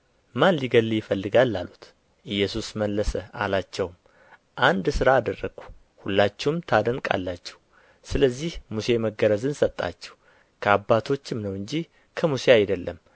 ማን ሊገድልህ ይፈልጋል አሉት ኢየሱስ መለሰ አላቸውም አንድ ሥራ አደረግሁ ሁላችሁም ታደንቃላችሁ ስለዚህ ሙሴ መገረዝን ሰጣችሁ ከአባቶችም ነው እንጂ ከሙሴ አይደለም